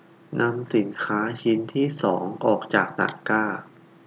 นำสินค้าชิ้นที่สองออกจากตะกร้า